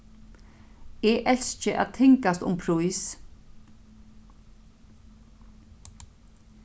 eg elski at tingast um prís